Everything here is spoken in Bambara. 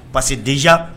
_Parce que déjà